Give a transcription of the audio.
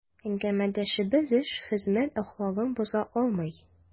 Әңгәмәдәшебез эш, хезмәт әхлагын боза алмый.